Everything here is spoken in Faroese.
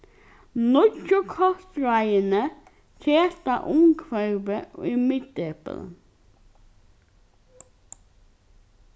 nýggju kostráðini seta umhvørvið í miðdepilin